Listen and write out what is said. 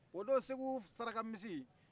o don segu saraka misi